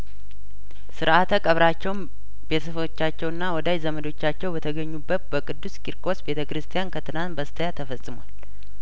ስርአተ ቀብራቸውም ቤተሰቦቻቸውና ወዳጅ ዘመዶቻቸው በተገኙበት በቅዱስ ቂርቆስ ቤተ ክርስቲያን ከትናንት በስቲያተ ፈጽሟል